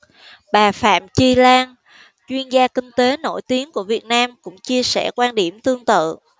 bà phạm chi lan chuyên gia kinh tế nổi tiếng của việt nam cũng chia sẻ quan điểm tương tự